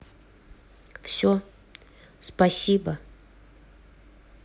все спасибо